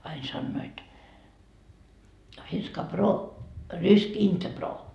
aina sanoivat finska broo rysk inte broo